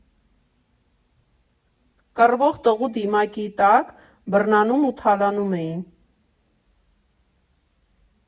Կռվող տղու դիմակի տակ բռնանում ու թալանում էին։